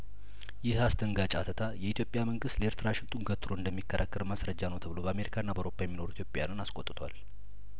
ይህ አስደንጋጭ ሀተታ የኢትዮጵያ መንግስት ለኤርትራ ሽንጡን ገትሮ እንደሚከራከር ማስረጃ ነው ተብሎ በአሜሪካና በአውሮፓ የሚኖሩ ኢትዮጵያዊያንን አስቆጥቷል